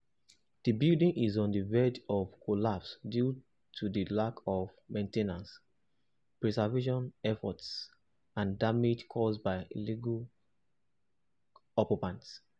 The building is on the verge of collapsee due to the lack of maintenance, preservation efforts, and damage caused by illegal occupants.